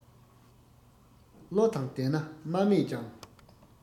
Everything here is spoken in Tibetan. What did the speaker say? བློ དང ལྡན ན མ སྨྲས ཀྱང